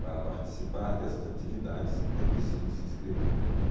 para participar dessas atividades é preciso se inscrever